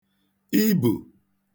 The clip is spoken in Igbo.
ibù